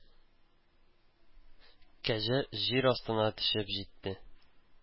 Кәҗә җир астына төшеп җитте